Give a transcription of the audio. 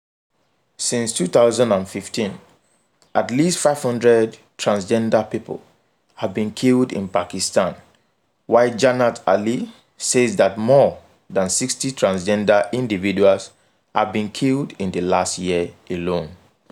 Since 2015, at least 500 transgender people have been killed in Pakistan, while Jannat Ali says that more than 60 transgender individuals have been killed in the last year alone.